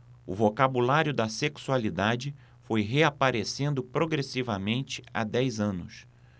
o vocabulário da sexualidade foi reaparecendo progressivamente há dez anos